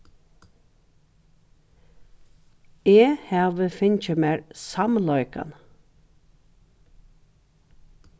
eg havi fingið mær samleikan